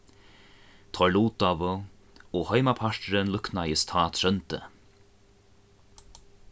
teir lutaðu og heimaparturin líknaðist tá tróndi